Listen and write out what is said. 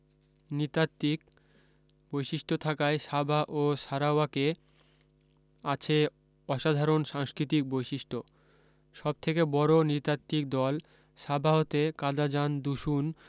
নৃতাত্ত্বিক বৈশিষ্ট থাকায় সাবাহ ও সারাওয়াকে আছে অসাধারণ সাংস্কৃতিক বৈশিষ্ট সবথেকে বড় নৃতাত্ত্বিক দল সাবাহতে কাদা্যান দুসুন